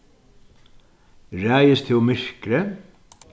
ræðist tú myrkrið